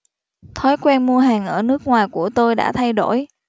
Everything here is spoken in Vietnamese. thói quen mua hàng ở nước ngoài của tôi đã thay đổi